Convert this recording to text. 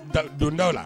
Donda la